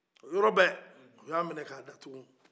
o yɔrɔ bɛ u ye a minɛ ka a datugu